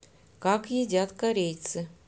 как едят корейцы